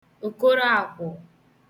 Òkoroàkwhọ̀